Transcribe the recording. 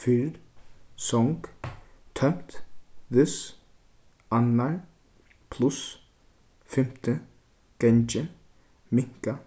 fyrr song tómt this annar pluss fimti gangi minka